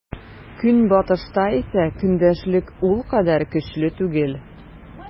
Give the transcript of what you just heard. Көнбатышта исә көндәшлек ул кадәр көчле түгел.